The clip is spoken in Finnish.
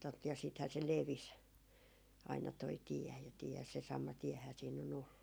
tuota ja sittenhän se levisi aina tuo tie ja tie se sama tiehän siinä on ollut